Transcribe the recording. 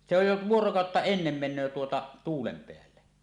se on jo vuorokautta ennen menee tuota tuulen päälle